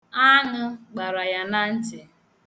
Aṅụ gbara ya na ntị.